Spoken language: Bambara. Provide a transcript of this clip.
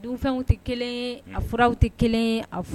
Denwfɛnw tɛ kelen a furaw tɛ kelen a